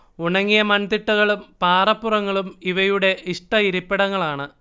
ഉണങ്ങിയ മൺതിട്ടകളും പാറപ്പുറങ്ങളും ഇവയുടെ ഇഷ്ട ഇരിപ്പിടങ്ങളാണ്